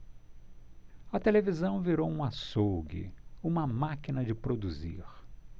a televisão virou um açougue uma máquina de produzir